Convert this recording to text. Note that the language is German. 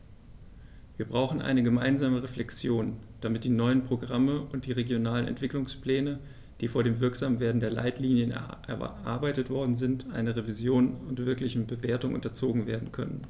Wir brauchen eine gemeinsame Reflexion, damit die neuen Programme und die regionalen Entwicklungspläne, die vor dem Wirksamwerden der Leitlinien erarbeitet worden sind, einer Revision und wirklichen Bewertung unterzogen werden können.